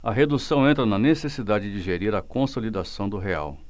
a redução entra na necessidade de gerir a consolidação do real